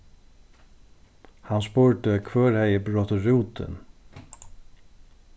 hann spurdi hvør hevði brotið rútin